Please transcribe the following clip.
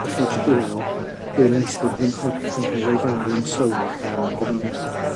Wrth edrych i lawr gwelais fod fy nghorff yn cael ei ddal yn sownd gan gefynnai.